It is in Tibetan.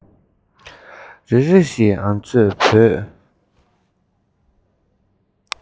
ལི ལི ཞེས ང ཚོར བོས